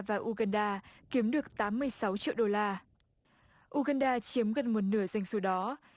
và u gan đa kiếm được tám mươi sáu triệu đô la u gan đa chiếm gần một nửa doanh số đó